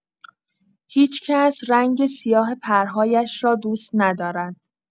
هیچ‌کس رنگ سیاه پرهایش را دوست ندارد.